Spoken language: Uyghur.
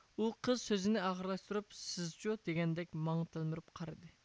ئۇ قىز سۆزىنى ئاخىرلاشتۇرۇپ سىزچۇدېگەندەك ماڭا تەلمۈرۈپ قارىدى